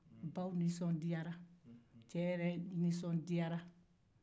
baw nisɔndiyara cɛ yɛrɛ nisɔndiyara